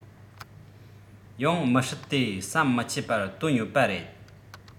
ཡང མི སྲིད དེ ཟམ མི ཆད པར བཏོན ཡོད པ རེད